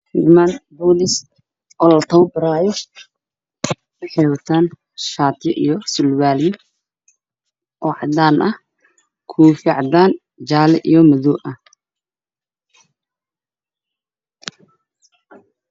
Waa niman booliska soomaaliyeed dhar cadaan ah